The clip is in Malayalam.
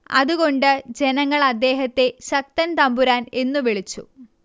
അതുകൊണ്ട് ജനങ്ങൾ അദ്ദേഹത്തെ ശക്തൻ തമ്പുരാൻ എന്നു വിളിച്ചു